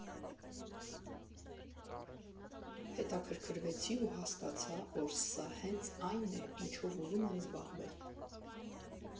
Հետաքրքրվեցի ու հասկացա, որ սա հենց այն է, ինչով ուզում եմ զբաղվել։